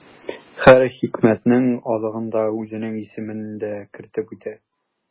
Һәр хикмәтнең азагында үзенең исемен дә кертеп үтә.